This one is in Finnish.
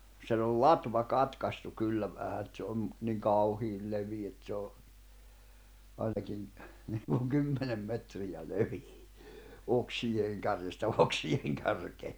sen oli latva katkaistu kyllä vähän että se on nyt niin kauhean leveä että se on ainakin niin kuin kymmenen metriä leveä oksien kärjestä oksien kärkeen